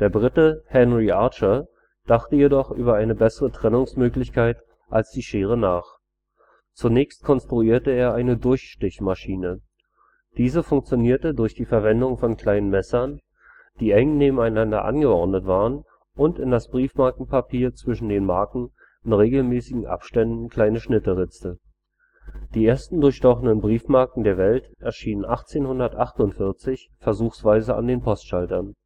Brite Henry Archer dachte jedoch über eine bessere Trennungsmöglichkeit als die Schere nach. Zunächst konstruierte er eine Durchstichmaschine. Diese funktionierte durch die Verwendung von kleinen Messern, die eng nebeneinander angeordnet waren und in das Briefmarkenpapier zwischen den Marken in regelmäßigen Abständen kleine Schnitte ritzte. Die ersten durchstochenen Briefmarken der Welt erschienen 1848 versuchsweise an den Postschaltern